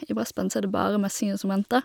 I brassband så er det bare messinginstrumenter.